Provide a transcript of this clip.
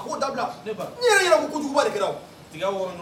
A k'o da bila. Ne ba.N yɛrɛ ɲana ko kojuguba de kɛra o. Tiga wɔrɔ ɲɔgɔn kɔ fara ka ca